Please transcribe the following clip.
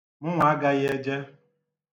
Mụnwa agaghi eje.